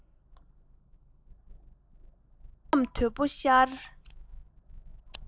རྒས ཉམས དོད པོ ཤར